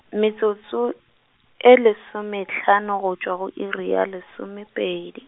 metsotso, e lesomehlano go tšwa go iri ya lesomepedi.